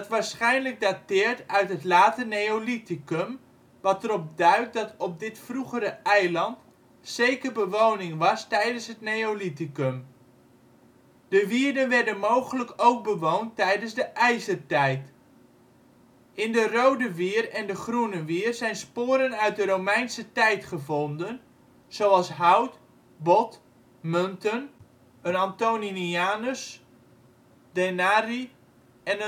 waarschijnlijk dateert uit het late neolithicum, wat erop duidt dat op dit vroegere eiland zeker bewoning was tijdens het Neolithicum. De wierden werden mogelijk ook bewoond tijdens de ijzertijd. In de Rode Wier en Groene Wier zijn sporen uit de Romeinse tijd gevonden, zoals hout, bot, munten (een antoninianus, denarii en